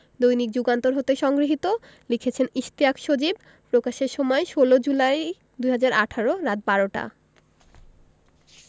দৈনিক যুগান্তর হতে সংগৃহীত লিখেছেন ইশতিয়াক সজীব প্রকাশের সময় ১৬ জুলাই ২০১৮ রাত ১২টা